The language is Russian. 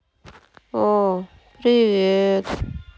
о привет